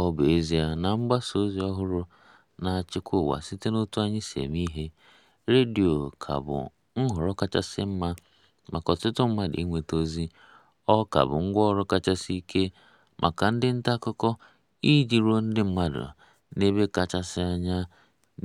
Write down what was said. Ọ bụ ezie na mgbasa ozi ọhụrụ na-achịkwa ụwa site n'otú anyị si eme ihe, redio ka bụ nhọrọ kachasị mma maka ọtụtụ mmadụ ịnweta ozi, ọ ka bụ ngwaọrụ kachasị ike maka ndị nta akụkọ iji ruo ndị mmadụ n'ebe kachasị anya na